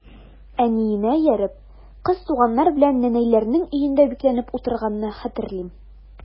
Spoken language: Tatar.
Әниемә ияреп, кыз туганнар белән нәнәйләрнең өендә бикләнеп утырганны хәтерлим.